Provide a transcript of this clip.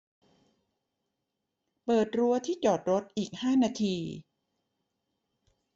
เปิดรั้วที่จอดรถอีกห้านาที